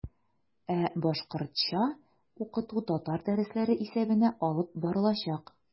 Ә башкортча укыту татар дәресләре исәбенә алып барылачак.